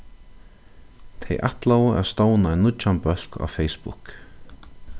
tey ætlaðu at stovna ein nýggjan bólk á facebook